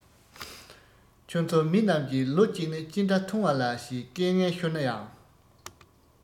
ཁྱོད ཚོ མི རྣམས ཀྱིས ལོ གཅིག ནི ཅི འདྲ ཐུང བ ལ ཞེས སྐད ངན ཤོར ན ཡང